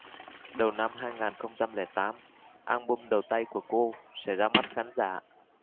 đầu năm hai nghìn không trăm lẻ tám album đầu tay của cô sẽ ra mắt khán giả